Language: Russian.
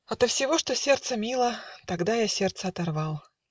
Ото всего, что сердцу мило, Тогда я сердце оторвал